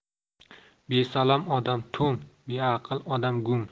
besalom odam to'ng beaql odam gung